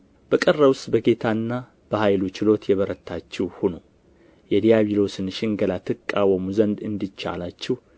በቀረውስ በጌታና በኃይሉ ችሎት የበረታችሁ ሁኑ የዲያብሎስን ሽንገላ ትቃወሙ ዘንድ እንዲቻላችሁ